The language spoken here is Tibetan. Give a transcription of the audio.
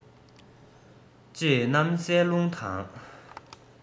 ཅེས གནམ སའི རླུང དང